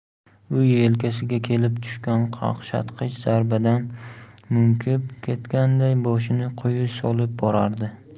u yelkasiga kelib tushgan qaqshatqich zarbadan munkib ketganday boshini quyi solib borardi